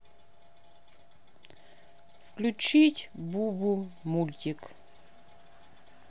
включить бубу мультик